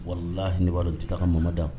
Walala hinɛbaa dɔn tɛ taa ka mamada